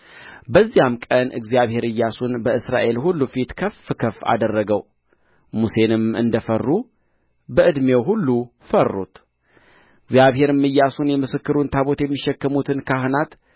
በዚያም ቀን እግዚአብሔር ኢያሱን በእስራኤል ሁሉ ፊት ከፍ አደረገው ሙሴንም እንደ ፈሩ በዕድሜው ሁሉ ፈሩት እግዚአብሔርም ኢያሱን የምስክሩን ታቦት የሚሸከሙትን ካህናት